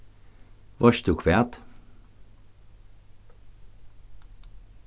veitst tú hvat